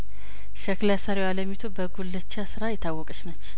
ሸክላ ሰሪዋ አለሚቱ በጉልቻ ስራ የታወቀችነች